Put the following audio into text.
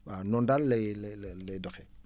waaw noonu daal lay la la lay doxee